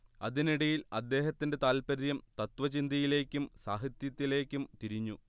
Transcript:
അതിനിടയിൽ അദ്ദേഹത്തിന്റെ താത്പര്യം തത്ത്വചിന്തയിലേക്കും സാഹിത്യത്തിലേക്കും തിരിഞ്ഞു